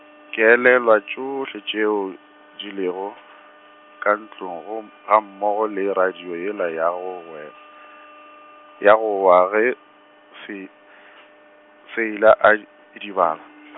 ke elelwa tšohle tšeo di lego , ka ntlong go, ga mmogo le radio yela ya go gwe-, ya go wa ge se , Seila a d-, idibala.